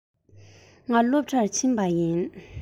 ང སློབ གྲྭར ཕྱིན པ ཡིན